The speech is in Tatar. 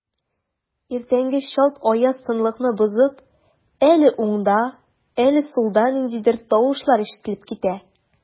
Иртәнге чалт аяз тынлыкны бозып, әле уңда, әле сулда ниндидер тавышлар ишетелеп китә.